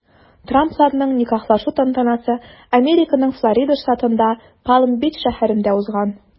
Трампларның никахлашу тантанасы Американың Флорида штатында Палм-Бич шәһәрендә узган.